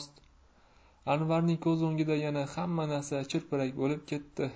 anvarning ko'z o'ngida yana hamma narsa chirpirak bo'lib ketdi